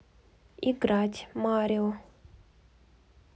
играть марио